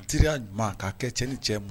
Teriya ɲuman k'a kɛ cɛ ni cɛ mu